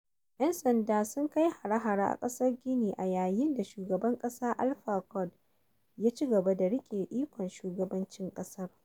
Yan sanda sun kai hare-hare a ƙasar Gini a yayin da Shugaban ƙasa Alpha Conde ya cigaba da riƙe ikon shugabancin ƙasar.